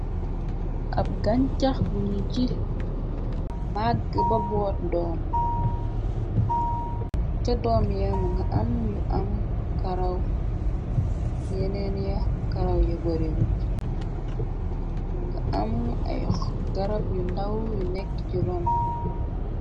Ab gañcax gu ñu ji màgge ba boot doom che doomya mu nge am yu am karaw yeneenya karaw ya bory wut mu nge am ay garab yu ndaw yu neke che ron.